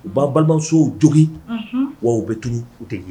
U b'a balimamusow jogin wa bɛ tun tɛ ɲɛ